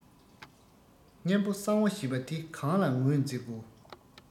གཉན པོ གསང བ ཞེས པ དེ གང ལ ངོས འཛིན དགོས